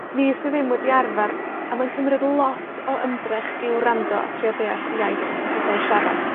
Ni sy ddim wedi arfar, a mae'n cymryd lot o ymdrech i wrando a trio deall y iaith sy'n ca'l eu siarad.